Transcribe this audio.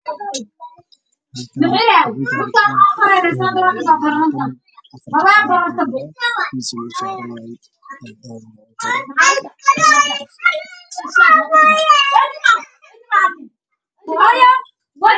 Waa afar jab oo dhego dhego ah